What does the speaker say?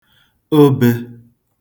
obē